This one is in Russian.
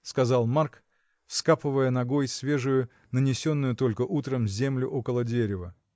— сказал Марк, вскапывая ногой свежую, нанесенную только утром землю около дерева.